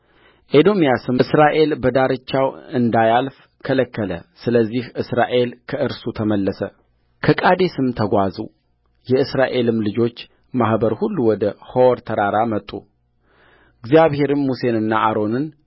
ኤዶምያስም እስራኤል በዳርቻው እንዳያልፍ ከለከለ ስለዚህ እስራኤል ከእርሱ ተመለሰከቃዴስም ተጓዙ የእስራኤልም ልጆች ማኅበር ሁሉ ወደ ሖር ተራራ መጡእግዚአብሔርም ሙሴንና አሮንን